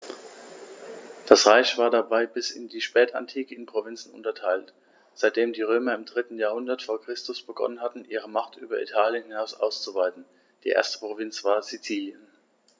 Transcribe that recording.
Das Reich war dabei bis in die Spätantike in Provinzen unterteilt, seitdem die Römer im 3. Jahrhundert vor Christus begonnen hatten, ihre Macht über Italien hinaus auszuweiten (die erste Provinz war Sizilien).